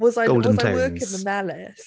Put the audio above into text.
Was I... Golden days ...working the Melys?